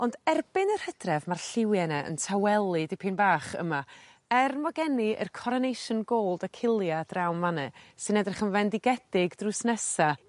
ond erbyn yr Hhydref ma'r lliwie 'ne yn taweli dipyn bach yma er mo' gen i yr coronation gold achillea draw 'n man' 'ne sy'n edrych yn fendigedig drws nesa